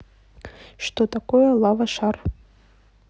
что такое лава шар